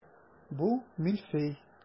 Бу мильфей.